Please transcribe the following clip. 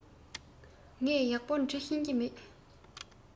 ངས ཡག པོ འབྲི ཤེས ཀྱི མེད